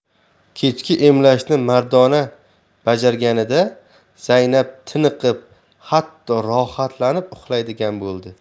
kechki emlashni mardona bajarganida zaynab tiniqib hatto rohatlanib uxlaydigan bo'ldi